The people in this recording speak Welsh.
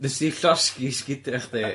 Nes di llosgi sgidia' chdi.